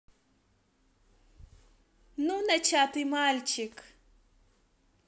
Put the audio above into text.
ну начатый мальчик